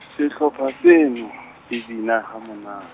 sehlopha seno, se bina ha mona .